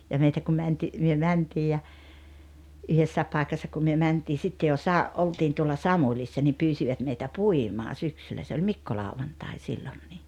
ja meitä kun - me mentiin ja yhdessä paikassa kun me mentiin sitten jo - oltiin tuolla Samulissa niin pyysivät meitä puimaan syksyllä se oli Mikkolauantai silloinkin